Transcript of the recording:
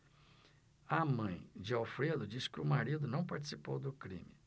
a mãe de alfredo diz que o marido não participou do crime